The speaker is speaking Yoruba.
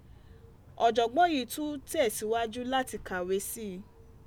Ọjọgbọn yi tun tẹ siwaju lati kawe sii.